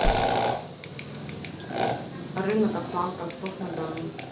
рынок атлант ростов на дону